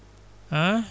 han